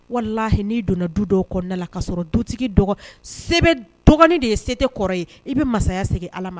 Wala h n'i donna du dɔw kɔnɔnada la k ka'a sɔrɔ dutigi dɔgɔ se bɛ dɔgɔn de ye sete kɔrɔ ye i bɛ masaya segin ala ma